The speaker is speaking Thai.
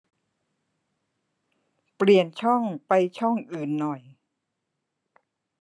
เปลี่ยนช่องไปช่องอื่นหน่อย